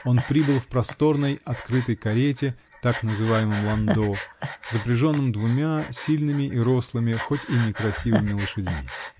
Он прибыл в просторной открытой карете, так называемом ландо, запряженном двумя сильными и рослыми, хоть и некрасивыми, лошадьми.